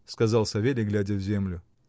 — сказал Савелий, глядя в землю.